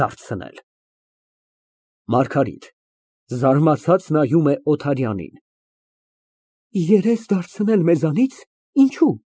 ՄԱՐԳԱՐԻՏ ֊ (Զարմացած նայում է Օթարյանին) Երես դարձնել մեզանի՞ց, ինչո՞ւ։